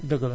dëgg la